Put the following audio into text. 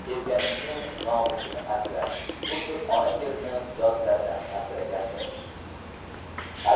sevganingni nomusini asra xuddi ona yemi yotlardan asraganday